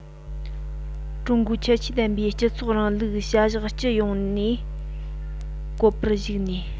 ཀྲུང གོའི ཁྱད ཆོས ལྡན པའི སྤྱི ཚོགས རིང ལུགས བྱ གཞག སྤྱི ཡོངས ཀྱི བཀོད པར གཞིགས ནས